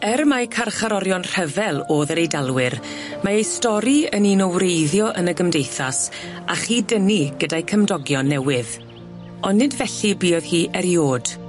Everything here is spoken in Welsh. Er mai carcharorion rhyfel o'dd yr Eidalwyr mae eu stori yn un o wreiddio yn y gymdeithas a chyd dynnu gyda'i cymdogion newydd, on' nid felly buodd hi eriod.